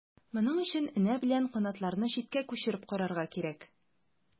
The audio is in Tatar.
Моның өчен энә белән канатларны читкә күчереп карарга кирәк.